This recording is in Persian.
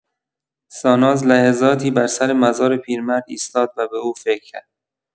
ساناز لحظاتی بر سر مزار پیرمرد ایستاد و به او فکر کرد.